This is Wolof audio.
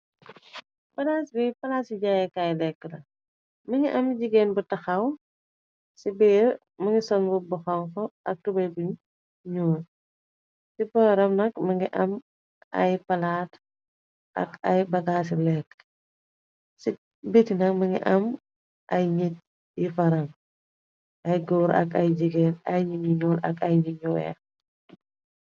Palaas bi palaas su jaayekaay lekk la mungi am jigeen bu tahaw ci biir mungi sol mbubu bu honku ak tubeye bu ñuul. Ci boram nak mungi am ay palaat ak ay bagas su lekk. Ci biti nak mungi am ay nit yu fa rang ay gòor ak ay jigèen, ay nit yu ñuul ak ay nit yu weeh.